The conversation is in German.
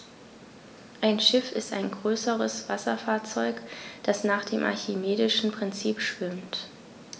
Ein Schiff ist ein größeres Wasserfahrzeug, das nach dem archimedischen Prinzip schwimmt.